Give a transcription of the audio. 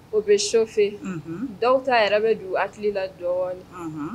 O bɛ chauffé . Unhun. Dɔw ta yɛrɛ bɛ don u hakili la dɔɔnin. Unhun.